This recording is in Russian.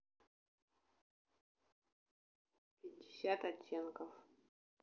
пятьдесят оттенков